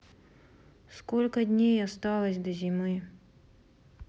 сколько дней осталось до зимы